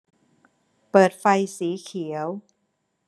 เปิดไฟสีเขียว